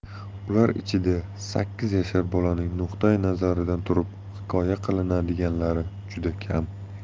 ular ichida sakkiz yashar bolaning nuqtai nazaridan turib hikoya qilinadiganlari juda kam